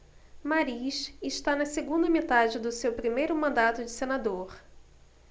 mariz está na segunda metade do seu primeiro mandato de senador